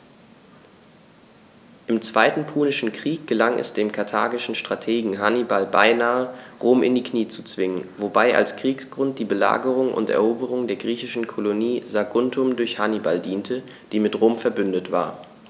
Im Zweiten Punischen Krieg gelang es dem karthagischen Strategen Hannibal beinahe, Rom in die Knie zu zwingen, wobei als Kriegsgrund die Belagerung und Eroberung der griechischen Kolonie Saguntum durch Hannibal diente, die mit Rom „verbündet“ war.